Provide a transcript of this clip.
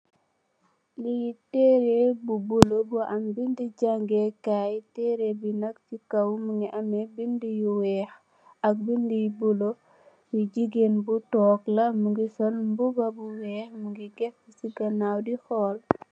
Li tere bu bulo bu am bindi jange kai tere bi nak si kaw mogi am binda yu weex ak binda bu bulo li jigeen bi tog la mogi sol mbuba bu weex mogi getu si ganaw di xool.